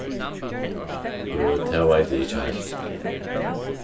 øh tað veit eg ikki heilt